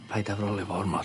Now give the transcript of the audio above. Paid a frolio fo ormod.